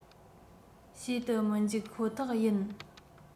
བྱེད དུ མི འཇུག ཁོ ཐག ཡིན